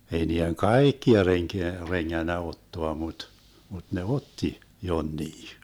ei niiden kaikkia renkää rengännyt ottaa mutta mutta ne otti jonkin